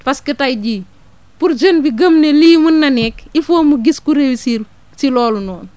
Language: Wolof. parce que tey jii pour jeunes bi gëm ne lii mun na nekk il faut mu gis ku réussir si loolu noonu